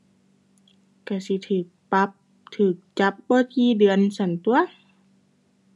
ก็สิก็ปรับก็จับบ่กี่เดือนซั้นตั่ว